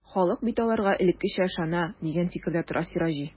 Халык бит аларга элеккечә ышана, дигән фикердә тора Сираҗи.